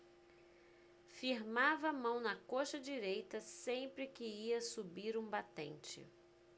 firmava a mão na coxa direita sempre que ia subir um batente